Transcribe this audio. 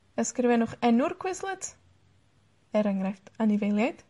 ysgrifennwch enw'r Quizlet, er enghraifft, anifeiliaid,